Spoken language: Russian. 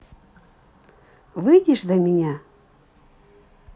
выйдешь за меня